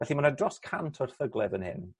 felly ma' 'na dros cant o erthygle fan hyn.